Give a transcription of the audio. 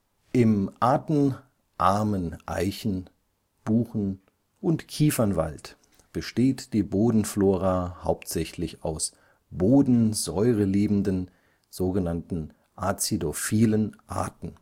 Im artenarmen Eichen -, Buchen - und Kiefernwald besteht die Bodenflora hauptsächlich aus bodensäureliebenden (azidophilen) Arten